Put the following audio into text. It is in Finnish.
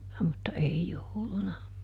mutta ei jouluna